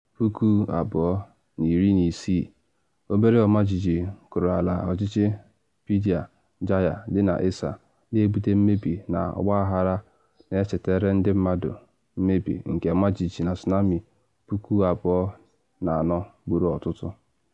2016: Obere ọmajiji kụrụ ala ọchịchị Pidie Jaya dị na Aceh, na ebute mmebi na ọgbaghara na echetere ndị mmadụ mmebi nke ọmajiji na tsunami 2004 gburu ọtụtụ.